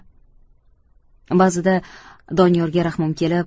ba'zida doniyorga rahmim kelib